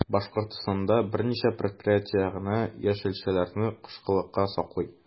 Башкортстанда берничә предприятие генә яшелчәләрне кышкылыкка саклый.